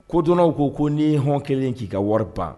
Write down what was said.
Kodɔnw ko ko n'i ye hɔn kɛlen k'i ka wari ban